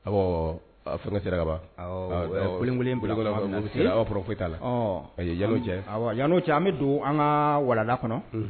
Furu kaba b'a fɔra foyi t'a la yan cɛ yano cɛ an bɛ don an ka walalanlan kɔnɔ